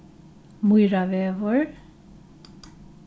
mýravegur